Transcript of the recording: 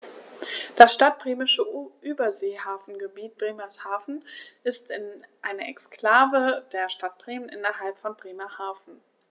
Das Stadtbremische Überseehafengebiet Bremerhaven ist eine Exklave der Stadt Bremen innerhalb von Bremerhaven.